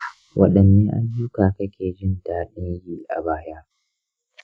wadanne ayyuka kake jin dadin yi a baya?